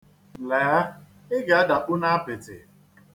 Lee, ị ga-adakpu n'apịtị.